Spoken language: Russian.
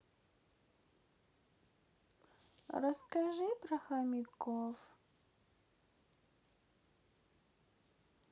расскажи про хомяков